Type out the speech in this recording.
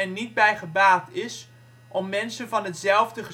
niet bij gebaat is om mensen van hetzelfde